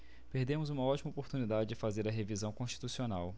perdemos uma ótima oportunidade de fazer a revisão constitucional